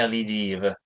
LED ife?